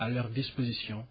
à leur disposition